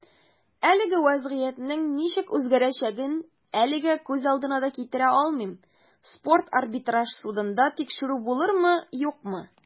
Әлеге вәзгыятьнең ничек үзгәрәчәген әлегә күз алдына да китерә алмыйм - спорт арбитраж судында тикшерү булырмы, юкмы.